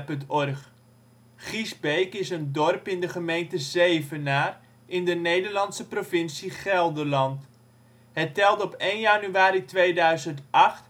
OL Giesbeek is een dorp in de gemeente Zevenaar, in de Nederlandse provincie Gelderland; het telde op 1 januari 2008 2839